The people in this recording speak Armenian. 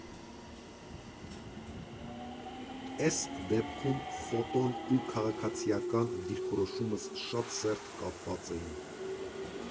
Էս դեպքում ֆոտոն ու քաղաքացիական դիրքորոշումս շատ սերտ կապված էին։